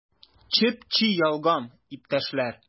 Чеп-чи ялган, иптәшләр!